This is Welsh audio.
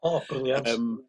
O brilliant.